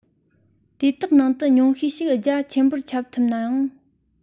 དེ དག ནང དུ ཉུང ཤས ཤིག རྒྱ ཆེན པོར ཁྱབ ཐུབ ནའང